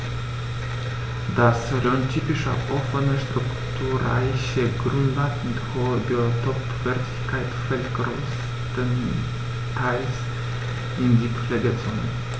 Das rhöntypische offene, strukturreiche Grünland mit hoher Biotopwertigkeit fällt größtenteils in die Pflegezone.